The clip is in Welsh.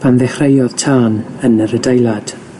pan ddechreuodd tân yn yr adeilad.